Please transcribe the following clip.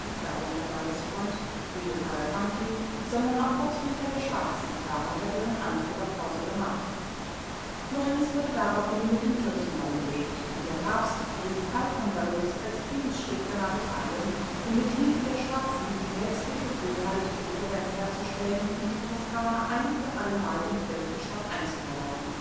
darunter Dantes Freund Guido Cavalcanti, sondern auch Vertreter der Schwarzen, darunter deren Anführer Corso Donati. Florenz wurde daraufhin mit dem Kirchenbann belegt, und der Papst rief Karl von Valois als „ Friedensstifter “nach Italien, um mithilfe der Schwarzen die päpstliche Hoheit über Florenz herzustellen und die Toskana ein für allemal dem Kirchenstaat einzuverleiben